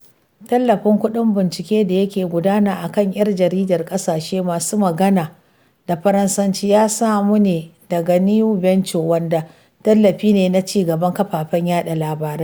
Tallafin kuɗin binciken da yake gudana a kan 'yan jaridar ƙasashe masu magana da Faransanci ya samu ne daga New Venture, wanda tallafi ne na ci gaban kafafen yaɗa labarai.